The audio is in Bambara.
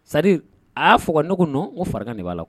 Sa a y'a fɔ ka n nɔgɔ nɔn o fara de b'a la